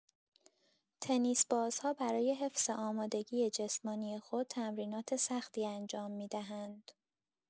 تنیس‌بازها برای حفظ آمادگی جسمانی خود تمرینات سختی انجام می‌دهند.